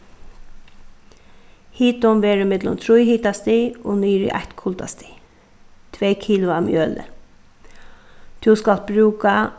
hitin verður millum trý hitastig og niður í eitt kuldastig tvey kilo av mjøli tú skalt brúka